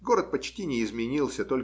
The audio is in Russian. Город почти не изменился